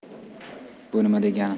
bu nima degani